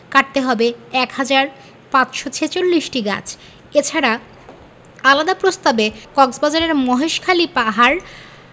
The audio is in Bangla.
কাটতে হবে এক হাজার ৫৪৬টি গাছ এছাড়া আলাদা প্রস্তাবে কক্সবাজারের মহেশখালীর পাহাড়